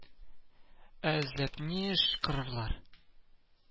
Ә эзләп ни эш кырырлар